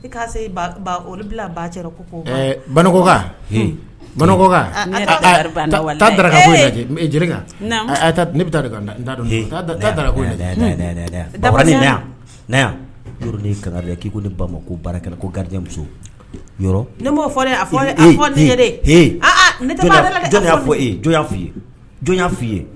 I se olu ba gari k'i ko ne ba kokɛ ko garimuso ne ne f jɔn f i ye